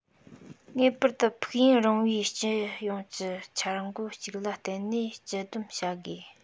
ངེས པར དུ ཕུགས ཡུན རིང བའི སྤྱི ཡོངས ཀྱི འཆར འགོད ཅིག ལ བརྟེན ནས སྤྱི འདོམས བྱ དགོས